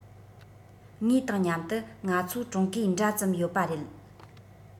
ངེས དང མཉམ དུ ང ཚོ ཀྲུང གོའི འདྲ ཙམ ཡོད པ རེད